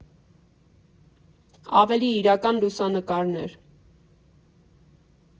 Ավելի իրական լուսանկարներ։